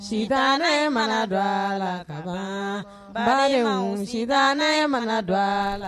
Si ne mana dɔgɔ a la balima si ne mana dɔgɔ a la